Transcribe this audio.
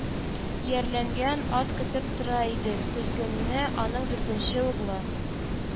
Иярләнгән ат көтеп тора иде, тезгенне аның дүртенче угълы